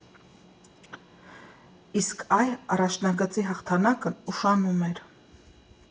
Իսկ այ առաջնագծի հաղթանակն ուշանում էր։